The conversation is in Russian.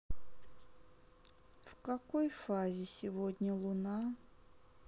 в какой фазе сегодня луна